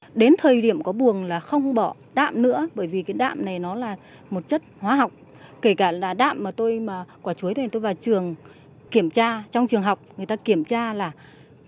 đến thời điểm có buồng là không bỏ đạm nữa bởi vì cái đạm này nó là một chất hóa học kể cả là đạm mà tôi mà quả chuối để tôi vào trường kiểm tra trong trường học người ta kiểm tra là